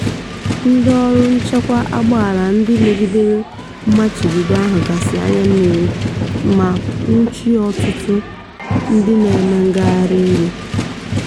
Ndị ọrụ nchekwa agbaala ndị megidere mmachibido ahụ gaasị anya mmiri, ma nwụchie ọtụtụ ndị na-eme ngagharị iwe.